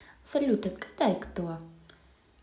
салют отгадай кто